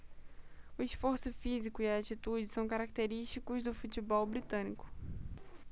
o esforço físico e a atitude são característicos do futebol britânico